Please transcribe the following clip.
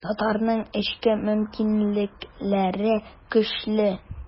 Татарның эчке мөмкинлекләре көчле.